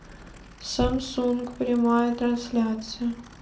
самсунг прямая трансляция